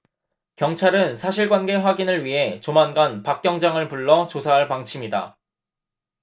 경찰은 사실관계 확인을 위해 조만간 박 경장을 불러 조사할 방침이다